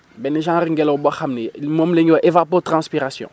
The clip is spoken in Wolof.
benn genre ngelaw boo xam ni moom la ñuy wax évapotranspiration